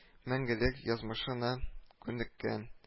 Мәңгелек язмышына күнеккән